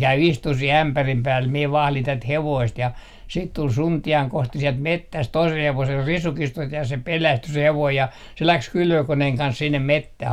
käy istumaan siihen ämpärin päälle minä vahdin tätä hevosta ja sitten tuli Suntian Kosti sieltä metsästä toisella hevosella risukistosta ja se pelästyi se hevonen ja se lähti kylvökoneen kanssa sinne metsään